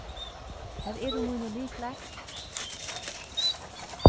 hvar eru mínir lyklar